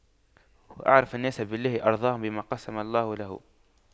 أعرف الناس بالله أرضاهم بما قسم الله له